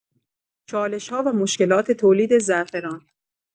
چالش‌ها و مشکلات تولید زعفران